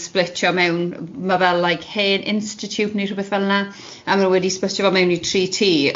sblitio mewn ma' fel like hen institute neu rhywbeth fel 'na a maen nhw wedi sblitio fo mewn i tri tŷ,